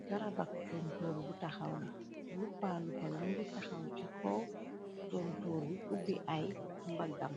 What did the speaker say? Garabak tontoor bu taxaw la luppaalupayu mu ngi taxaw ci kow tontoor bu ubbi ay mbaggam.